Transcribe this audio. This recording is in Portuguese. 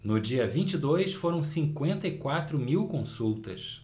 no dia vinte e dois foram cinquenta e quatro mil consultas